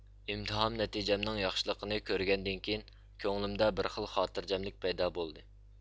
ئىمتىھان نەتىجەمنىڭ ياخشىلىقىنى كۆرگەندىن كېيىن كۆڭلۈمدە بىر خىل خاتىرجەملىك پەيدا بولدى